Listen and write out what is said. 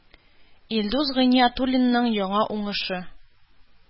Илдус Гыйниятуллинның яңа уңышы